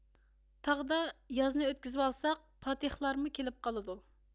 تاغدا يازنى ئۆتكۈزۈۋالساق پاتىخلارمۇ كېلىپ قالىدۇ